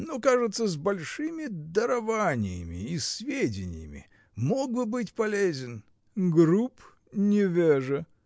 Но, кажется, с большими дарованиями и сведениями: мог бы быть полезен. — Груб, невежя!